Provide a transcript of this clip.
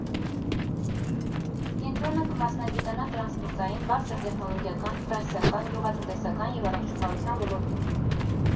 Կենտրոնը կմասնագիտանա տրասնպորտային, բարձր տեխնոլոգիական, ֆինանսական, գյուղատնտեսական և առողջապահության ոլորտներում։